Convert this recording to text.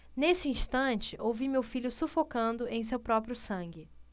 nesse instante ouvi meu filho sufocando em seu próprio sangue